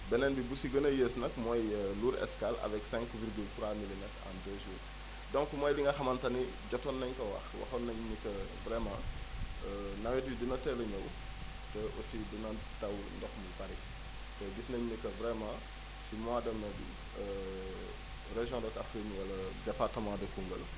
beneen bi bu si gën a yées nag mooy Lour Escale avec 5 virgule 3 milimètre en 2 jours donc mooy li nga xamante ni joptoon nañu ko wax waxoon nañu que vraiment nawet bi dina teel a ñëw te aussi dina taw ndox mu bëri te gis nañu ne que vraiment si mois de mai bi région de Kaffrine wala département de Koungheul